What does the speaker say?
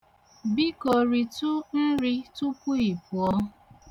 Biko ritụ nri tupu ị pụọ.